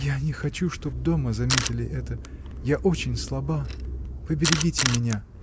— Я не хочу, чтоб дома заметили это. Я очень слаба. поберегите меня.